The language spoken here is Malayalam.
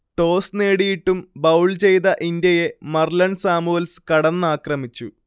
ടോസ് നേടിയിട്ടും ബൗൾ ചെയ്ത ഇന്ത്യയെ മർലൺ സാമുവൽസ് കടന്നാക്രമിച്ചു